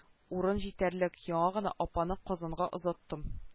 Урын җитәрлек яңа гына апаны казанга озаттым